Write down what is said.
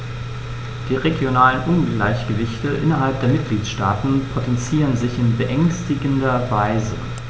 Die regionalen Ungleichgewichte innerhalb der Mitgliedstaaten potenzieren sich in beängstigender Weise.